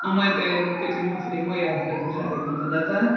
Ond wedyn, be dwi'n hoffi wneud mwyaf ydi rhedeg yn y mynyddau.